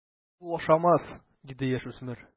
Ул ашамас, - диде яшүсмер.